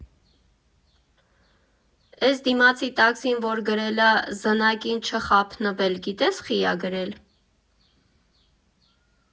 Էս դիմացի տաքսին որ գրել ա «Զնակին չխաբնվել», գիտես խի՞ ա գրել։